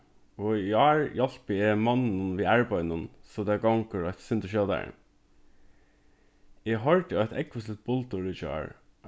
og í ár hjálpi eg monnunum við arbeiðinum so tað gongur eitt sindur skjótari eg hoyrdi eitt ógvusligt buldur í gjár